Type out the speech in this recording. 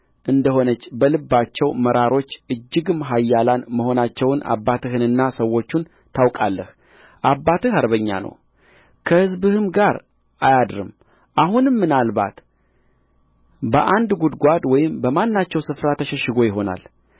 እንደ ሆነች በልባቸው መራሮች እጅግም ኃያላን መሆናቸውን አባትህንና ሰዎቹን ታውቃለህ አባትህ አርበኛ ነው ከሕዝብም ጋር አያድርም አሁንም ምናልባት በአንድ ጕድጓድ ወይም በማናቸውም ስፍራ ተሸሽጎ ይሆናል